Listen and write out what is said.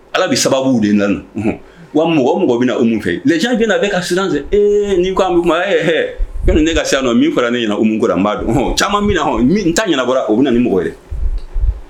Ala bɛ sababu de nana wa mɔgɔ mɔgɔ bɛ o mun fɛ c bin na bɛ ka siran eee ni kuma e ne ka se don min fara ne ɲɛna munkura nba dɔn caman min na hɔn n taa ɲɛna bɔra u bɛ na ni mɔgɔ dɛ